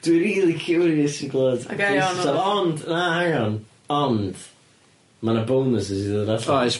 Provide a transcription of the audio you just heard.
Dwi rili curious i glywed Ond, na 'ang on, ond, ma' 'na bonuses i ddod allan. Oes.